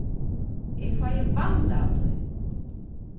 eg fái vaml av tí